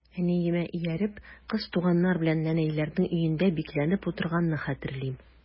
Әниемә ияреп, кыз туганнар белән нәнәйләрнең өендә бикләнеп утырганны хәтерлим.